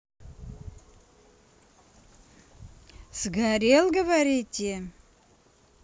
сгорел говорите